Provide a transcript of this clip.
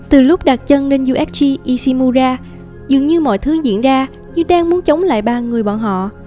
từ lúc đặt chân lên usg ishimura ra dường như mọi thứ diễn ra như đang muốn chống lại ba người bọn họ